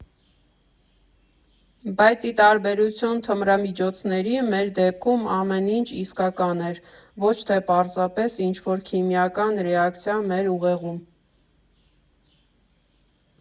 Բայց, ի տարբերություն թմրամիջոցների, մեր դեպքում ամեն ինչ իսկական էր, ոչ թե պարզապես ինչ֊որ քիմիական ռեակցիա մեր ուղեղում։